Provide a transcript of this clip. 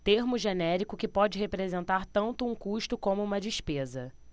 termo genérico que pode representar tanto um custo como uma despesa